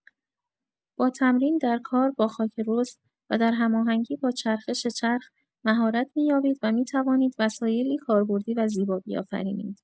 با تمرین، در کار با خاک رس و در هماهنگی با چرخش چرخ مهارت می‌یابید و می‌توانید وسایلی کاربردی و زیبا بیافرینید.